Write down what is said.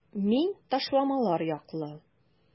Мин ташламалар яклы.